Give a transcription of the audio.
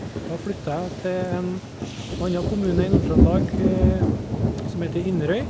Da flytta jeg til en anna kommune i Nord-Trøndelag som heter Inderøy.